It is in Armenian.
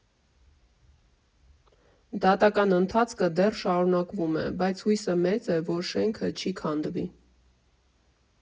Դատական ընթացքը դեռ շարունակվում է, բայց հույսը մեծ է, որ շենքը չի քանդվի։